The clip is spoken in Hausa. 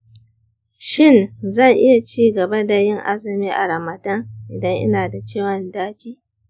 shin zan iya ci gaba da yin azumi a ramadan idan ina da ciwon daji?